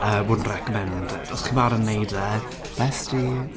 Yy wouldn't recommend it. Os chi'n barod yn wneud e bestie.